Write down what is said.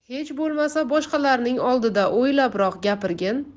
hech bo'lmasa boshqalarning oldida o'ylabroq gapirgin